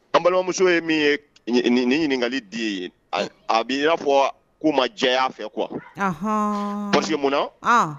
An balimamuso ye min ye nin ɲininkali di ye a' i'a fɔ ko ma jɛ' fɛ qu p munna